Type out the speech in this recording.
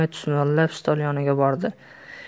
tusmollab stol yoniga bordi